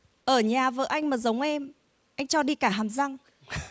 ở nhà vợ anh mà giống em anh cho đi cả hàm răng